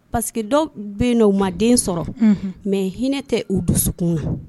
Paseke dɔ bɛ n oo ma den sɔrɔ mɛ hinɛ tɛ u dusukun ma